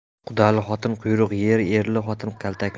qudali xotin quyruq yer erli xotin kaltak